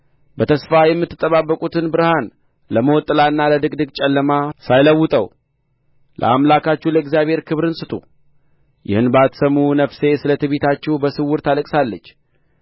በተስፋ የምትጠባበቁትን ብርሃን ለሞት ጥላና ለድቅድቅ ጨለማ ሳይለውጠው ለአምላካችሁ ለእግዚአብሔር ክብርን ስጡ ይህን ባትሰሙ ነፍሴ ስለ ትዕቢታችሁ በስውር ታለቅሳለች